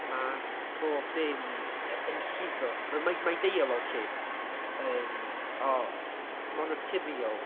Ma' bob dim y- yn llifo ma' mae mae ei deialog hi yn oo mor naturiol.